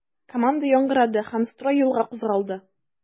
Команда яңгырады һәм строй юлга кузгалды.